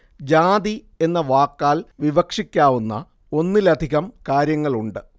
ജാതി എന്ന വാക്കാൽ വിവക്ഷിക്കാവുന്ന ഒന്നിലധികം കാര്യങ്ങളുണ്ട്